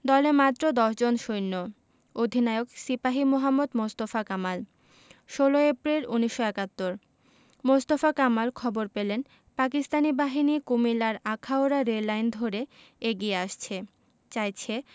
দলে মাত্র দশজন সৈন্য অধিনায়ক সিপাহি মোহাম্মদ মোস্তফা কামাল ১৬ এপ্রিল ১৯৭১ মোস্তফা কামাল খবর পেলেন পাকিস্তানি বাহিনী কুমিল্লার আখাউড়া রেললাইন ধরে এগিয়ে আসছে চাইছে